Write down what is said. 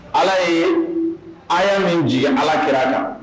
Ala ye a y'a min jigin ala kɛra kan